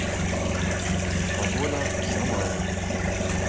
погода в самаре